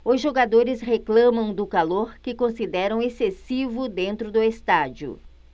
os jogadores reclamam do calor que consideram excessivo dentro do estádio